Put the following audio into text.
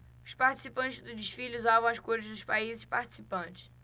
os participantes do desfile usavam as cores dos países participantes